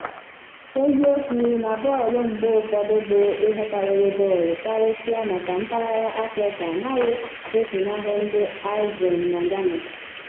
Eziokwu na bọọlụ mgbe ụfọdụ bụ "ihe karịrị bọọlụ", karịsịa maka Mpaghara Afrịka, anaghị efunahụ ndị Ivorian na Ghana.